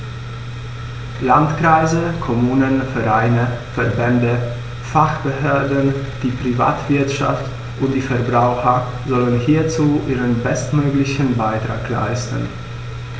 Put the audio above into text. Landkreise, Kommunen, Vereine, Verbände, Fachbehörden, die Privatwirtschaft und die Verbraucher sollen hierzu ihren bestmöglichen Beitrag leisten.